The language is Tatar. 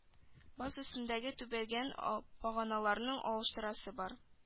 Баз өстендәге түбәнең баганаларын алыштырасы бар